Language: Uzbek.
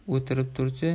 o'tirib turchi